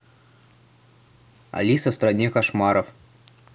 алиса в стране кошмаров